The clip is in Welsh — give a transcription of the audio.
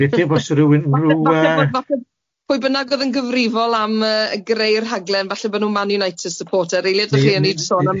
Be sy'n bosib yw bod ryw yy... Falle bod falle pwy bynnag o'dd yn gyfrifol am yy greu'r rhaglen falle bo n'w Man Utd supporter ni'n sôn am Lerpwl.